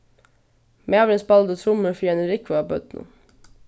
maðurin spældi trummur fyri eini rúgvu av børnum